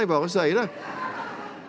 jeg bare sier det.